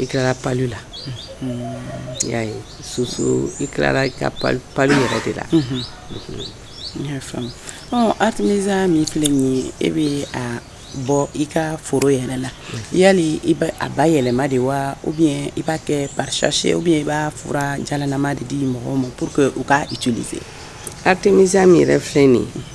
i kɛra pali la i y'a ye su i kɛra i ka pa yɛrɛ de laa ha min filɛ min ye e bɛ bɔ i ka foro yɛrɛ la ya i a ba yɛlɛma de wa i b'a kɛ pacsi i b'a fura jalalamama de di mɔgɔ ma pour que u ka joli fɛ ha tɛmɛmi min yɛrɛ fɛn de